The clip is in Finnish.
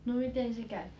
no miten se käy